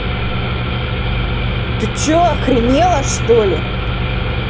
ты че охренела что ли